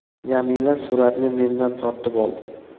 jamila suratni mendan tortib oldi